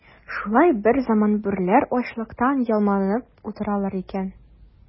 Шулай берзаман бүреләр ачлыктан ялманып утыралар икән.